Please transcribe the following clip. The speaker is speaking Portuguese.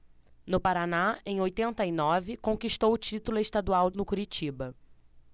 no paraná em oitenta e nove conquistou o título estadual no curitiba